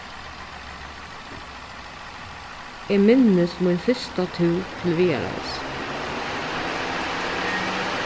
eg minnist mín fyrsta túr til viðareiðis